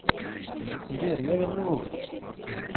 сбер я вернулась